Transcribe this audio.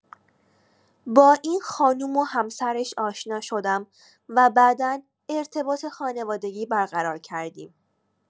با این خانم و همسرش آشنا شدم و بعدا ارتباط خانوادگی برقرار کردیم.